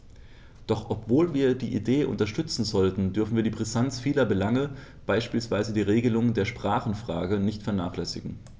Doch obwohl wir die Idee unterstützen sollten, dürfen wir die Brisanz vieler Belange, beispielsweise die Regelung der Sprachenfrage, nicht vernachlässigen.